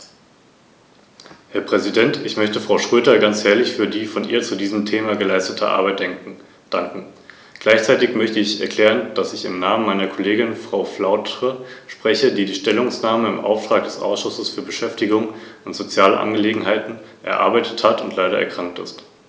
Diese Richtlinie ist ein Beitrag dazu.